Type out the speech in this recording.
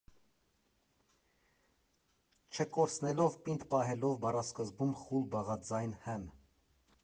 Չկորցնելով, պինդ պահելով բառասկզբում խուլ բաղաձայն հ֊ն։